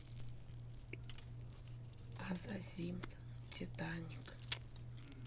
азазин титаник